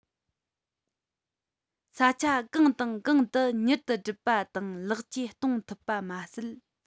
ས ཆ གང དང གང དུ མྱུར ཏུ གྲུབ པ དང ལེགས བཅོས གཏོང ཐུབ པ མ ཟད